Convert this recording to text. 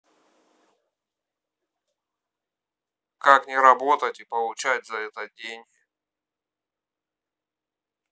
как не работать и получать за это деньги